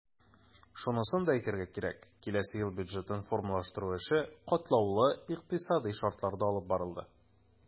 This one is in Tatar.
Шунысын да әйтергә кирәк, киләсе ел бюджетын формалаштыру эше катлаулы икътисадый шартларда алып барылды.